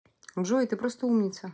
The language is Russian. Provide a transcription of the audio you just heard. джой ты просто умница